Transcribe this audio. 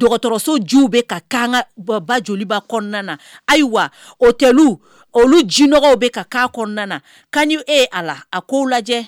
dɔgɔtɔrɔsojuw bɛ ka kangaba joliba kɔnɔna na ayiwa o tɛlu olu jiɔgɔw bɛ ka kan kɔnɔna na kan' e a la a k'o lajɛ